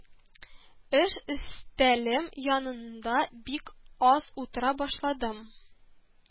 Эш өстәлем янында бик аз утыра башладым